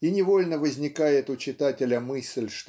и невольно возникает у читателя мысль